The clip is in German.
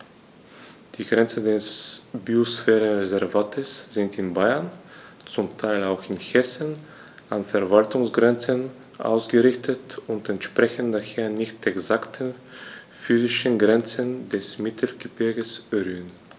Die Grenzen des Biosphärenreservates sind in Bayern, zum Teil auch in Hessen, an Verwaltungsgrenzen ausgerichtet und entsprechen daher nicht exakten physischen Grenzen des Mittelgebirges Rhön.